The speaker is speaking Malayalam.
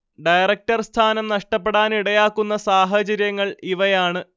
ഡയറക്ടർ സ്ഥാനം നഷ്ടപ്പെടാനിടയാക്കുന്ന സാഹചര്യങ്ങൾ ഇവയാണ്